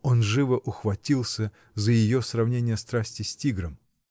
Он живо ухватился за ее сравнение страсти с тигром.